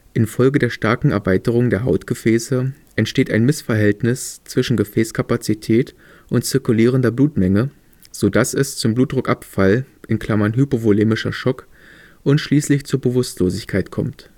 Infolge der starken Erweiterung der Hautgefäße entsteht ein Missverhältnis zwischen Gefäßkapazität und zirkulierender Blutmenge, so dass es zum Blutdruckabfall (Hypovolämischer Schock) und schließlich zur Bewusstlosigkeit kommt